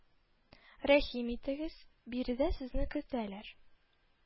Рәхим итегез, биредә сезне көтәләр